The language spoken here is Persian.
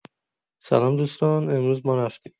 سلام دوستان امروز ما رفتیم